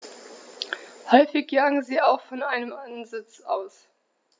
Häufig jagen sie auch von einem Ansitz aus.